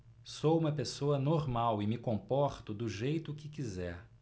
sou homossexual e me comporto do jeito que quiser